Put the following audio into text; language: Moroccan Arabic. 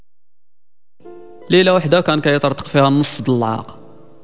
ليله وحده كانك يطرق فيها الطلاق